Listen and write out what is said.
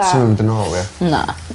...da. Swn i'm mynd yn ôl ia? Na.